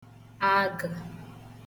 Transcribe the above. agụ̀